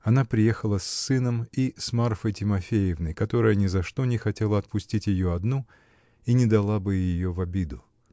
Она приехала с сыном и с Марфой Тимофеевной, которая ни за что не хотела отпустить ее одну и не дала бы ее в обиду.